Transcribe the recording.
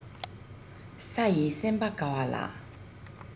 ས ཡིས སེམས པ དགའ བ ལ